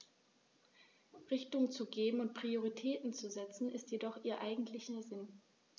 Richtung zu geben und Prioritäten zu setzen, ist jedoch ihr eigentlicher Sinn.